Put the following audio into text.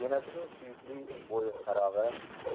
enasining suyukli o'yinqarog'i